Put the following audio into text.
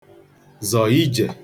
zọ ijè